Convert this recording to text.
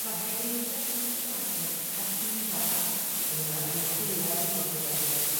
Ma'r Hydrangea Paniculata Tardiva 'ma yn un o'r rhai hwyraf i flodeuo.